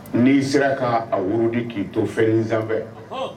N'i sera ka a wuridi k'i to fɛn sanfɛ